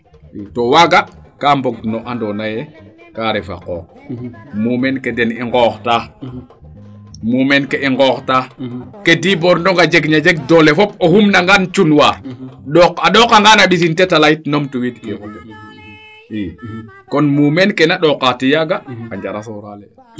to waaga ka mbog no we ando naye ka refa qooq mumeen ke den i ŋoox ta mumeen ke i ŋoox ta ke Dibor Ndong a jeg na jeg doole fop o xumna ngaan cumwaar ɗoq a ɗokangan mbisin tetale yit numtu wiid kee i kon mumeen ke na ɗokaa tiyaa ga a njaro soorale